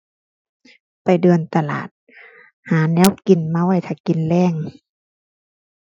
ไปเดินตลาด หาแนวกินมาไว้ท่ากินแลง